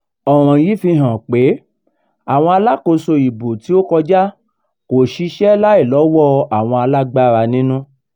Ọ̀ràn yìí fi hàn pé àwọn alákòóso ìbò tí ó kọjá kò ṣiṣẹ́ láì lọ́wọ́ àwọn alágbára ń'nú.